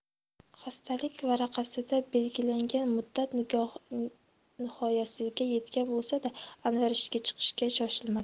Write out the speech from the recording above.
xastalik varaqasida belgilangan muddat nihoyasiga yetgan bo'lsa da anvar ishga chiqishga shoshilmadi